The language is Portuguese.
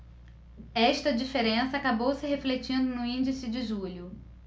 esta diferença acabou se refletindo no índice de julho